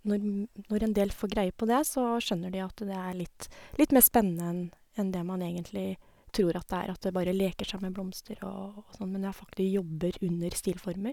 nårm Når en del får greie på det, så skjønner de at det er litt litt mer spennende enn enn det man egentlig tror at det er, at det bare leker seg med blomster og og sånn, men det er fak de jobber under stilformer.